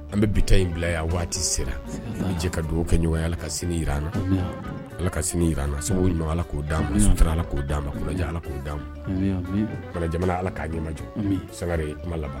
An bɛ bita in bila yan waati sera i ji ka dugawu kɛ ɲɔgɔnya ka sini jiraran ala ka sini jiraan sago ɲamakala ala k'o'a ma sutura ala k'o d'an majɛ ala k'o d'a ma kana jamana ala k'a'i ma jɔ sanga ma laban